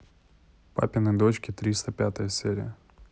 папины дочки триста пятая серия